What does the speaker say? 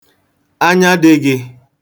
anya dị gị